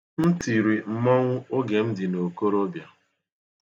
M tiri mmọnwụ oge m dị na okorobia.